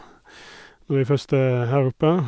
Når vi først er her oppe.